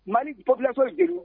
Mali bɔlɛko kojugu